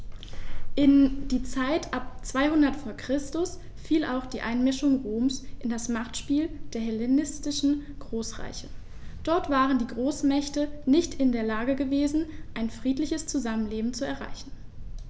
In die Zeit ab 200 v. Chr. fiel auch die Einmischung Roms in das Machtspiel der hellenistischen Großreiche: Dort waren die Großmächte nicht in der Lage gewesen, ein friedliches Zusammenleben zu erreichen.